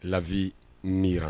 La vie niran